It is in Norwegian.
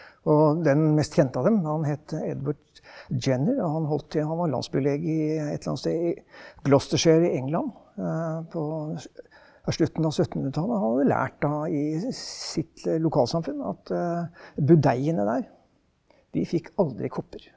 og den mest kjente av dem han het Edward Jenner, og han holdt til han var landsbylege i et eller annet sted i Gloucester i England på slutten av syttenhundretallet, og han hadde lært da i sitt lokalsamfunn at budeiene der de fikk aldri kopper.